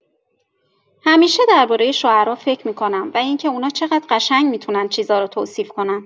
همیشه درباره شعرا فکر می‌کنم و اینکه اونا چقدر قشنگ می‌تونن چیزا رو توصیف کنن.